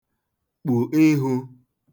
kpù ihwū